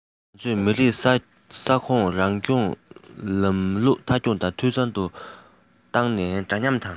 ང ཚོས མི རིགས ས ཁོངས རང སྐྱོང ལམ ལུགས མཐའ འཁྱོངས དང འཐུས ཚང དུ བཏང ནས འདྲ མཉམ དང